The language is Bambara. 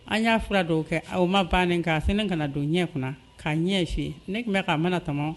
An y'a fura dɔw kɛ aw ma bannen ka sɛnɛ ka na don ɲɛ kunna kaa ɲɛ insin ne tun bɛ k'a mɛnmɔ